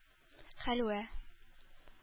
Хәлвә